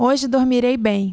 hoje dormirei bem